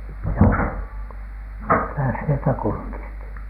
mikä sieltä kurkisti